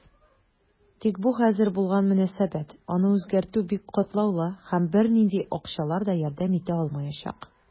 Тик бу хәзер булган мөнәсәбәт, аны үзгәртү бик катлаулы, һәм бернинди акчалар да ярдәм итә алмаячак.